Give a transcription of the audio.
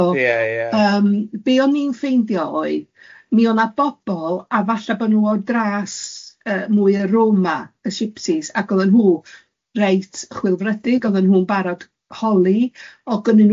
So. Yeah, yeah. Yym be o ni'n ffeindio oedd mi odd na bobol a falle bod nhw o dras yy mwy Roma y Shipsis, a odda nhw reit frwdfrydig, odda nhw'n barod, o gynna nhw holi